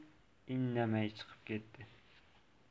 indamay chiqib ketdi